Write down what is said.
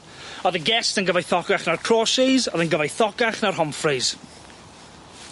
O'dd y Guests yn gyfoethocach na'r Crauchetes o'dd yn gyfoethocach na'r Honfres.